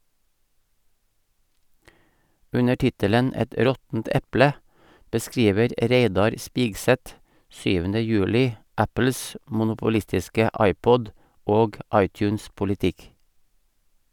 Under tittelen "Et råttent eple" beskriver Reidar Spigseth 7. juli Apples monopolistiske iPod- og iTunes-politikk.